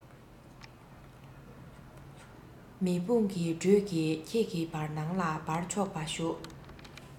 མེ དཔུང གི དྲོད ཀྱིས ཁྱེད ཀྱི བར སྣང ལ སྦར ཆོག པར ཞུ